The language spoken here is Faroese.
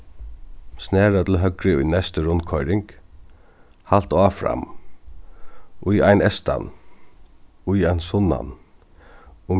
snara til høgru í næstu rundkoyring halt áfram í ein eystan í ein sunnan